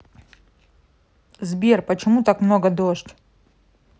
сбер почему так много дождь